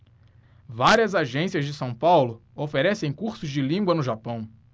várias agências de são paulo oferecem cursos de língua no japão